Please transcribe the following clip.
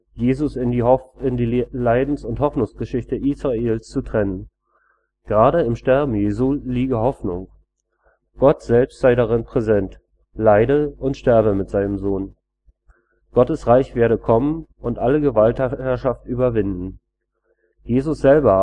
Jesu in die Leidens - und Hoffnungsgeschichte Israels zu trennen. Gerade im Sterben Jesu liege Hoffnung. Gott selbst sei darin präsent, leide und sterbe mit seinem Sohn. Gottes Reich werde kommen und alle Gewaltherrschaft überwinden. Jesus selber